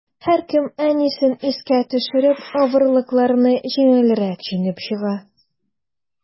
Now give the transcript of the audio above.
Һәркем, әнисен искә төшереп, авырлыкларны җиңелрәк җиңеп чыга.